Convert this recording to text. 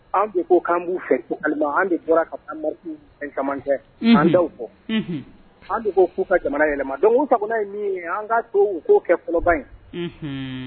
An bɛ ko b fɛ an bɛ bɔra ka caman kɛ an da fɔ an' fo ka jamana yɛlɛma ta ye min ye an ka to u k'o kɛ fɔlɔba ye